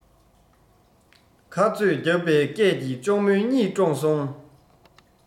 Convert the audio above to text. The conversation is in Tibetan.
ཁ རྩོད བརྒྱབ པའི སྐད ཀྱིས གཅུང མོའི གཉིད དཀྲོགས སོང